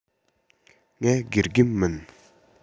ང དགེ རྒན མིན